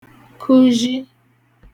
kụzhi